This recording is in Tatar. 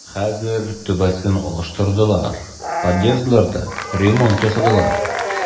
Хәзер түбәсен алыштырдылар, подъездларда ремонт ясадылар.